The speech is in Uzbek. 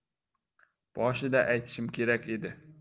boshida aytishim kerak edi